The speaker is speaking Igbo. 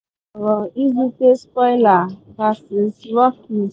Scherzer chọrọ izute spoiler vs. Rockies